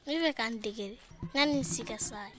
n bɛ fɛ ka n dege de yanni n si ka se a ye